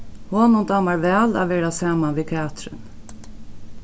honum dámar væl at vera saman við katrin